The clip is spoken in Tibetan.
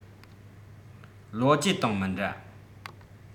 ལིའོ ཅེ དང མི འདྲ